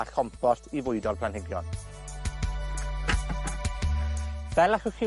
a chompost, i fwydo'r planhigion. Fel allwch chi